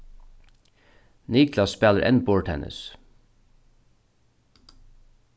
niklas spælir enn borðtennis